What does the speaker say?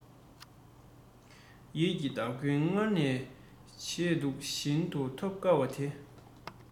ཡིད ཀྱི སྟ གོན སྔར ནས བྱས འདུག ཤིན ཏུ ཐོབ དཀའ བ དེ